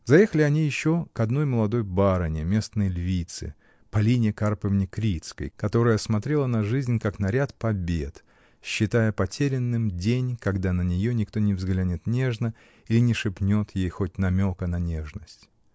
Заехали они еще к одной молодой барыне, местной львице, Полине Карповне Крицкой, которая смотрела на жизнь как на ряд побед, считая потерянным день, когда на нее никто не взглянет нежно или не шепнет ей хоть намека на нежность.